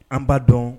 An ba dɔn